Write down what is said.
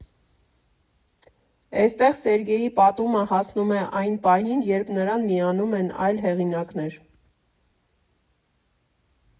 Էստեղ Սերգեյի պատումը հասնում է այն պահին, երբ նրան միանում են այլ հեղինակներ։